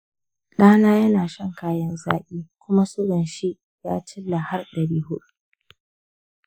ɗana ya na shan kayan-zaƙi kuma sugan shi ya cilla har ɗari huɗu.